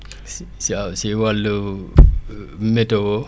si si wàllu météo